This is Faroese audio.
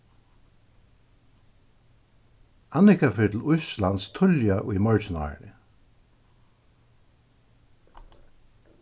annika fer til íslands tíðliga í morgin árini